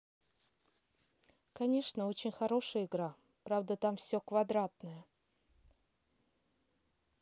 конечно очень хорошая игра правда там все квадратная